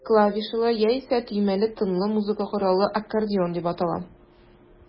Клавишалы, яисә төймәле тынлы музыка коралы аккордеон дип атала.